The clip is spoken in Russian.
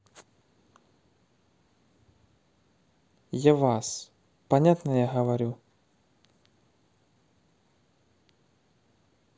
я вас понятно я говорю